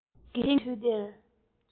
དེང གི དུས འདིར